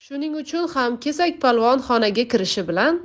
shuning uchun ham kesakpolvon xonaga kirishi bilan